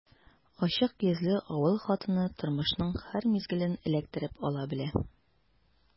Ачык йөзле авыл хатыны тормышның һәр мизгелен эләктереп ала белә.